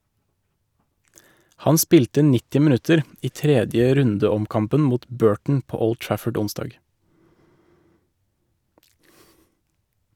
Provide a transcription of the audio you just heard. Han spilte 90 minutter i 3. runde-omkampen mot Burton på Old Trafford onsdag.